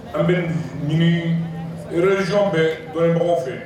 An be v minii région bɛ duwayebagaw fɛ